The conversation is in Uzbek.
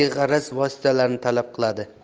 beg'araz vositalarni talab qiladi